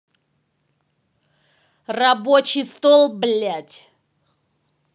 рабочий стол блять